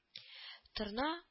Торна